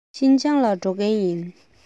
ཤིན ཅང ལ འགྲོ མཁན ཡིན